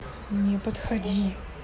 не подходи